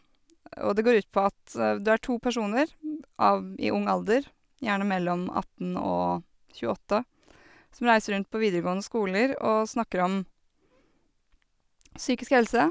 Og det går ut på at du har to personer amb i ung alder, gjerne mellom atten og tjueåtte, som reiser rundt på videregående skoler og snakker om psykisk helse.